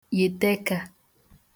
yète ẹka